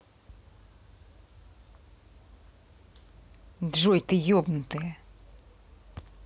джой ты ебнутая